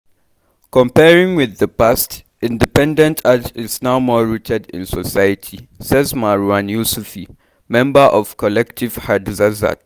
“Comparing with the past, independent art is now more rooted in society” says Marouane Youssoufi, member of Collectif Hardzazat.